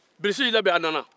bilisi y'i labɛn a nana